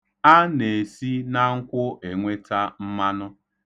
A na-esi na nkwụ enweta mmanụ.